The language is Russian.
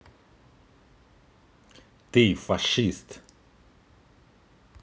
ты фашист